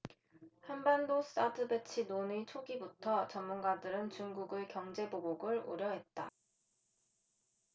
한반도 사드 배치 논의 초기부터 전문가들은 중국의 경제 보복을 우려했다